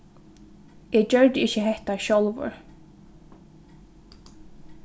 eg gjørdi ikki hetta sjálvur